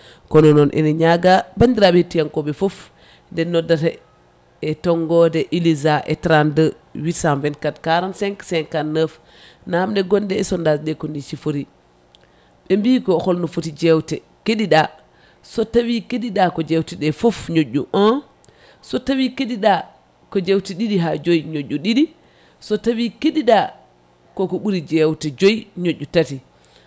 kono noon ene ñaaga bandiraɓe hettiyankoɓe foof nde noddata e tonggode ilisa e 32 824 45 59 namde gonɗe e sondage ɗe ko ni sifori ɓe mbi ko holno foti jewte keɗiɗa so tawi keɗiɗa ko jewteɗe foof ñoƴƴu 1 so tawi keɗiɗa ko jewte ɗiɗi ha joyyi ñoƴƴu ɗiɗi so tawi keɗiɗa koko ɓuuri jewte joyyi ñoƴƴu tati